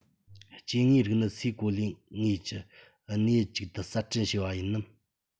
སྐྱེ དངོས རིགས ནི སའི གོ ལའི ངོས ཀྱི གནས ཡུལ ཅིག དུ གསར སྐྲུན བྱས པ ཡིན ནམ